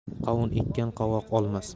qovun ekkan qovoq olmas